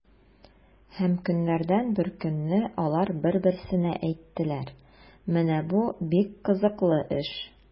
Һәм көннәрдән бер көнне алар бер-берсенә әйттеләр: “Менә бу бик кызыклы эш!”